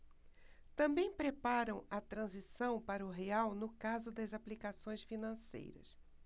também preparam a transição para o real no caso das aplicações financeiras